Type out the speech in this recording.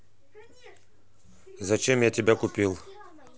зачем я тебя купил